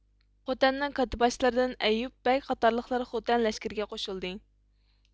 خوتەننىڭ كاتتىباشلىرىدىن ئەييۇب بەگ قاتارلىقلار خوتەن لەشكىرىگە قوشۇلدى